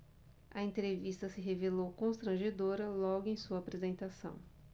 a entrevista se revelou constrangedora logo em sua apresentação